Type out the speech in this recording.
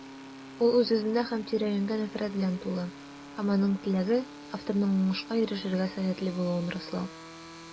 Ул үз-үзенә һәм тирә-юньгә нәфрәт белән тулы - һәм аның теләге: авторның уңышка ирешергә сәләтле булуын раслау.